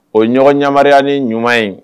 O ɲɔgɔn yamaruya ni ɲuman ye